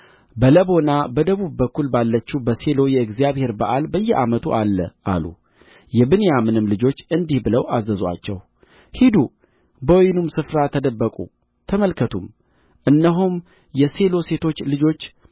በለቦና በደቡብ በኩል ባለችው በሴሎ የእግዚአብሔር በዓል በየዓመቱ አለ አሉ የብንያምንም ልጆች እንዲህ ብለው አዘዙአቸው ሂዱ በወይኑ ስፍራ ተደበቁ ተመልከቱም እነሆም የሴሎ ሴቶች ልጆች